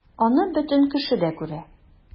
Аны бөтен кеше дә күрә...